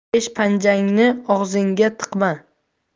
besh panjangni og'zingga tiqma